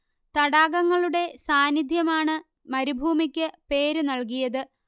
തടാകങ്ങളുടെ സാന്നിദ്ധ്യമാണ് മരുഭൂമിക്ക് പേരു നൽകിയത്